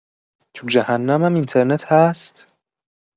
تو جهنم هم اینترنت هست؟!